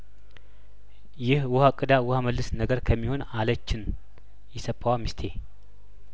ይህ ውሀ ቅዳ ውሀ መልስ ነገር ከሚሆን አለችን ኢሰፓዋ ሚስቴ